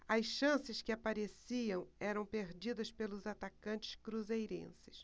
as chances que apareciam eram perdidas pelos atacantes cruzeirenses